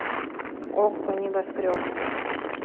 окко небоскреб